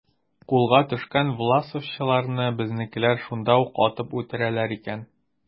Кулга төшкән власовчыларны безнекеләр шунда ук атып үтерәләр икән.